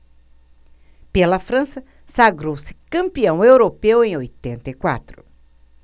pela frança sagrou-se campeão europeu em oitenta e quatro